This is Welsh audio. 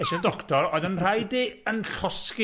Es i'n doctor, oedd yn rhaed i yn llosgi.